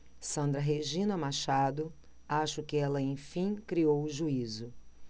sandra regina machado acho que ela enfim criou juízo